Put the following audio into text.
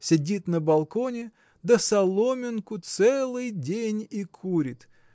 сидит на балконе да соломинку целый день и курит